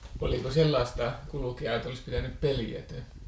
oliko sellaista kulkijaa jota olisi pitänyt pelätä